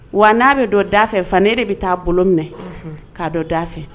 Wa n'a bɛ don da fɛ fa ne de bɛ taa bolo minɛ k'a dɔn da fɛ